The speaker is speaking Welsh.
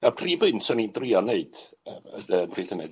Y prif bwynt o'n i'n drio neud yy yy pryd hynny